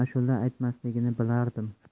ashula aytmasligini bilardim